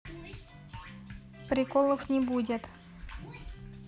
приколов не будет